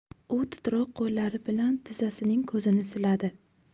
u titroq qo'llari bilan tizzasining ko'zini siladi